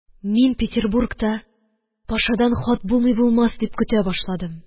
Мин Петербургта Пашадан хат булмый булмас дип көтә башладым.